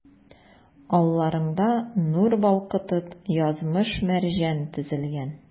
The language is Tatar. Алларыңда, нур балкытып, язмыш-мәрҗән тезелгән.